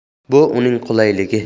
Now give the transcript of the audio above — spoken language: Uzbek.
bu uning qulayligi